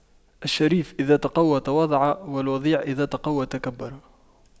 الشريف إذا تَقَوَّى تواضع والوضيع إذا تَقَوَّى تكبر